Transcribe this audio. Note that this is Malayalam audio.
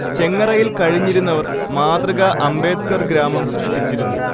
ചെങ്ങറയിൽ കഴിഞ്ഞിരുന്നവർ മാതൃകാ അംബേദ്കർ ഗ്രാമം സൃഷ്ടിച്ചിരുന്നു